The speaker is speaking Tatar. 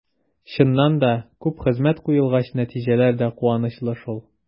Чыннан да, күп хезмәт куелгач, нәтиҗәләр дә куанычлы шул.